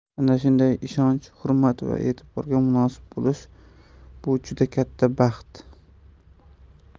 ana shunday ishonch hurmat va e'tiborga munosib bo'lish bu juda katta baxt